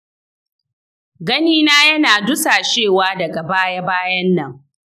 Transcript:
ganina ya na dusashewa daga baya-bayan nan.